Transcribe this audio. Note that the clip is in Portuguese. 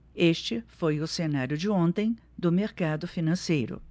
este foi o cenário de ontem do mercado financeiro